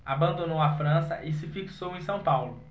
abandonou a frança e se fixou em são paulo